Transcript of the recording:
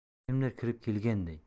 kimdir kirib kelganday